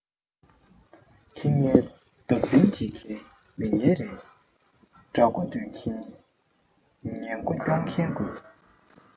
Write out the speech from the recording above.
ཁྱི ངན བདག འཛིན བྱེད མཁན མི ངན རེད དགྲ མགོ འདུལ མཁན གཉེན མགོ སྐྱོང མཁན དགོས